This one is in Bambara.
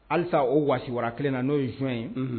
Halisa o wasiwara 1 na n'o ye juin _ ye unhun